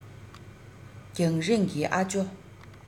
རྒྱང རིང གི ཨ ཇོ